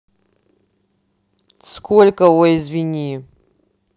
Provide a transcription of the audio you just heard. сколько ой извини